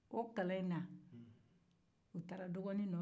o kalan in na u taara dɔgɔni nɔnfɛ